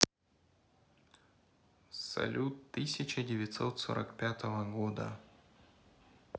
салют тысяча девятьсот сорок пятого года